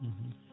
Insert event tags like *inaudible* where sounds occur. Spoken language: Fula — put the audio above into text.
*hesitation* *hesitation*